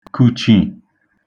kùchì